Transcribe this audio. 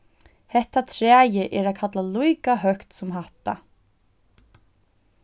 hetta træið er at kalla líka høgt sum hatta